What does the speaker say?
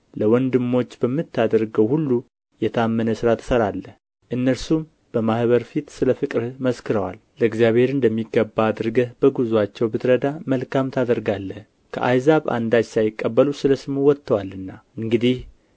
ለወንድሞች በምታደርገው ሁሉ የታመነ ሥራ ትሠራለህ እነርሱም በማኅበር ፊት ስለ ፍቅርህ መስክረዋል ለእግዚአብሔር እንደሚገባ አድርገህ በጉዞአቸው ብትረዳ መልካም ታደርጋለህ ከአሕዛብ አንዳች ሳይቀበሉ ስለ ስሙ ወጥተዋልና እንግዲህ